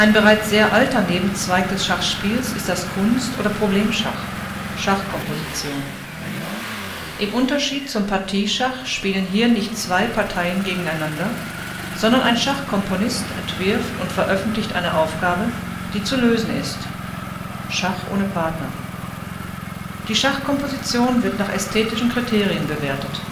bereits sehr alter Nebenzweig des Schachspiels ist das Kunst - oder Problemschach (Schachkomposition). Im Unterschied zum Partieschach spielen hier nicht zwei Parteien gegeneinander, sondern ein Schachkomponist entwirft und veröffentlicht eine Aufgabe, die zu lösen ist („ Schach ohne Partner “). Die Schachkomposition wird nach ästhetischen Kriterien bewertet